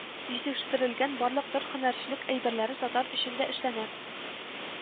Җитештерелгән барлык төр һөнәрчелек әйберләре сатар өчен дә эшләнә